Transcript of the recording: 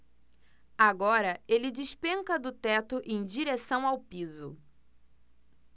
agora ele despenca do teto em direção ao piso